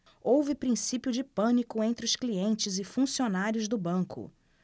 houve princípio de pânico entre os clientes e funcionários do banco